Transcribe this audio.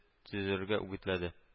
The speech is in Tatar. Төзергә үгетләде